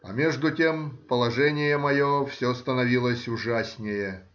А между тем положение мое все становилось ужаснее